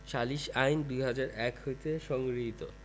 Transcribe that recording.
সালিস আইন ২০০১ হতে সংগৃহীত